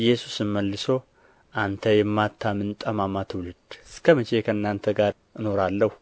ኢየሱስም መልሶ እናንተ የማታምን ጠማማ ትውልድ እስከ መቼ ከእናንተ ጋር እኖራለሁ